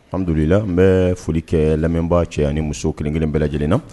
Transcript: Hamdulila n bɛɛ foli kɛɛ lamɛnbaa cɛ ani muso kelen-kelen bɛɛ lajɛlen na